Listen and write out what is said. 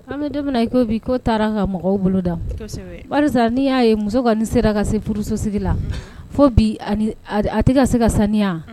An bɛ daminɛ i ko bi ko taara an ka mɔgɔw boloda walasa ni'i y'a ye muso ka ne sera ka se psosiri la fo bi a tɛ ka se ka saniya